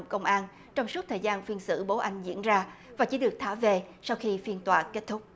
công an trong suốt thời gian phiên xử bố anh diễn ra và chỉ được thả về sau khi phiên tòa kết thúc